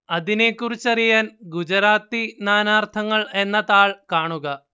അതിനെക്കുറിച്ചറിയാൻ ഗുജറാത്തി നാനാർത്ഥങ്ങൾ എന്ന താൾ കാണുക